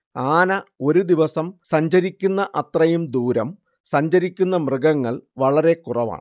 ആന ഒരു ദിവസം സഞ്ചരിക്കുന്ന അത്രയും ദൂരം സഞ്ചരിക്കുന്ന മൃഗങ്ങൾ വളരെ കുറവാണ്